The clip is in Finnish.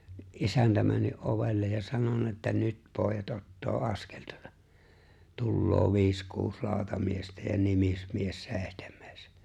niin isäntä mennyt ovelle ja sanonut että nyt pojat ottaa askel tuota tulee viisi kuusi lautamiestä ja nimismies seitsemäs